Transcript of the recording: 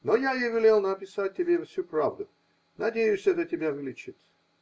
Но ей я велел написать тебе всю правду. Надеюсь, это тебя вылечит.